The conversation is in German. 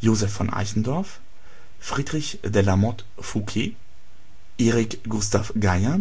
Joseph von Eichendorff, Friedrich de la Motte Fouqué, Erik Gustaf Geijer,